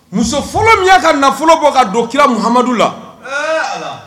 Muso fɔlɔ min ka nafolo ko ka don kirara mamadu la